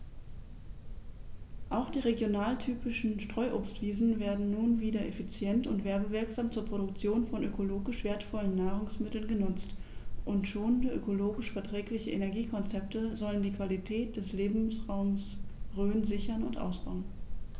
Auch die regionaltypischen Streuobstwiesen werden nun wieder effizient und werbewirksam zur Produktion von ökologisch wertvollen Nahrungsmitteln genutzt, und schonende, ökologisch verträgliche Energiekonzepte sollen die Qualität des Lebensraumes Rhön sichern und ausbauen.